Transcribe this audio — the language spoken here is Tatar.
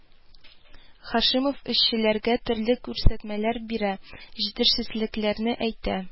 Һашимов эшчеләргә төрле күрсәтмәләр бирә, җитеш-сезлекләрне әйтә